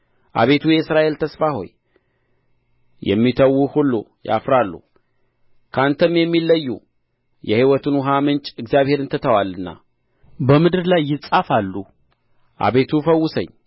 አቤቱ የእስራኤል ተስፋ ሆይ የሚተዉህ ሁሉ ያፍራሉ ከአንተም የሚለዩ የሕይወትን ውኃ ምንጭ እግዚአብሔርን ትተዋልና በምድር ላይ ይጻፋሉ አቤቱ ፈውሰኝ